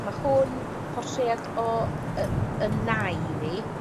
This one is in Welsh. ma' hwn portred o 'y- 'yn nai fi